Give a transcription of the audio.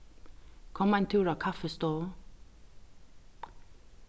kom ein túr á kaffistovu